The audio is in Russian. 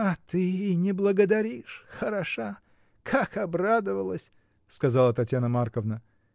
— А ты и не благодаришь — хороша! Как обрадовалась! — сказала Татьяна Марковна.